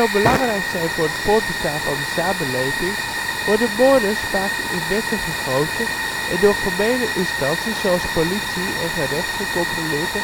belangrijk zijn voor het voortbestaan van een samenleving, worden ' mores ' vaak in wetten gegoten en door formele instanties zoals politie en gerecht gecontroleerd